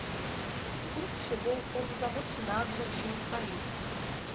o grupo chegou quando os amotinados já tinham saído